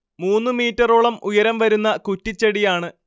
മൂന്നു മീറ്ററോളം ഉയരം വരുന്ന കുറ്റിച്ചെടിയാണ്